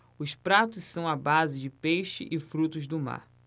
os pratos são à base de peixe e frutos do mar